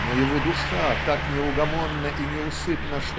Но его душа так неугомонна и неусыпна